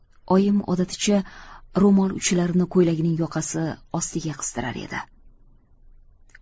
oyim odaticha ro'mol uchlarini ko'ylagining yoqasi ostiga qistirar edi